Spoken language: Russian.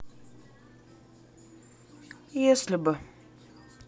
если бы